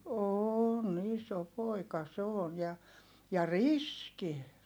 on iso poika se on ja ja riski